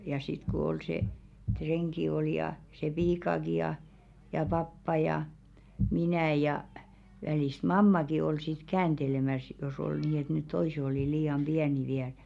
ja sitten kun oli se renki oli ja se piikakin ja ja pappa ja minä ja välistä mammakin oli sitten kääntelemässä jos oli niin että ne toiset oli liian pieniä vielä